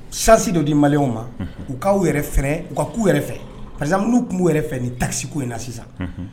Chance dɔ di malɲɛw ma u k'aw ɲɛrɛ fɛnɛ, u ka kɛ u yɛrɛ fɛ par exemple .n'u tun b'u yɛrɛ fɛ nin taxe ko in na sisan, unhun,